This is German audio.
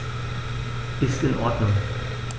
Ist in Ordnung.